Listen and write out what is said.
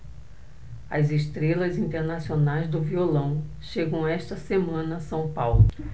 as estrelas internacionais do violão chegam esta semana a são paulo